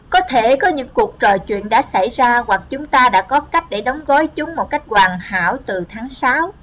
có thể có những cuộc trò chuyện đã xảy ra hoặc chúng ta đã có cách để đóng gói chúng một cách hoàn hảo từ tháng